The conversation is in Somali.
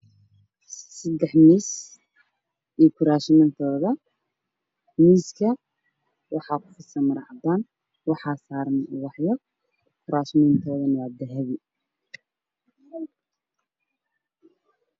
Sadex miis iyo kuraas man kooda miiska waxa Fidsan Maro cadaan waxa saaran Ubaxyo kuraas man koodana Waa dahabi